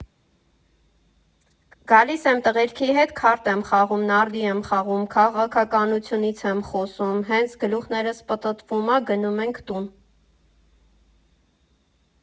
Գալիս եմ, տղերքի հետ քարտ եմ խաղում, նարդի եմ խաղում, քաղաքականությունից եմ խոսում, հենց գլուխներս պտտվում ա գնում ենք տուն։